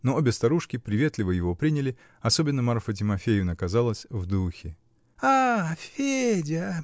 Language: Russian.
но обе старушки приветливо его приняли, особенно Марфа Тимофеевна казалась в духе. -- А! Федя!